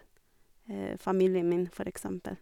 Familien min, for eksempel.